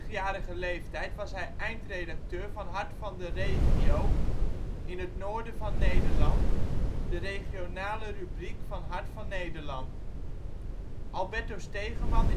24-jarige leeftijd was hij eindredacteur van Hart van de Regio in het noorden van Nederland, de regionale rubriek van Hart van Nederland. Alberto Stegeman